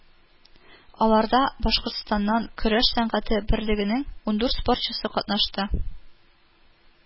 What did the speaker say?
Аларда Башкортстаннан Көрәш сәнгате берлегенең ундүрт спортчысы катнашты